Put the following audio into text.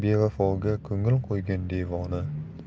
bevafoga ko'ngil qo'ygan devona